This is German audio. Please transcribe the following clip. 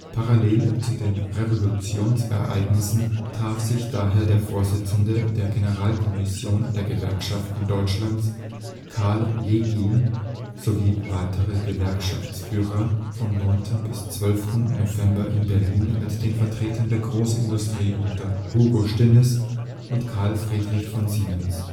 Parallel zu den Revolutionsereignissen trafen sich daher der Vorsitzende der Generalkommission der Gewerkschaften Deutschlands, Carl Legien, sowie weitere Gewerkschaftsführer vom 9. bis 12. November in Berlin mit den Vertretern der Großindustrie unter Hugo Stinnes und Carl Friedrich von Siemens